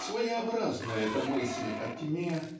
-- своеобразна эта мысль о тьме